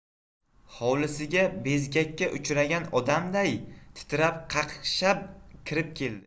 hovlisiga bezgakka uchragan odamday titrab qaqshab kirib keldi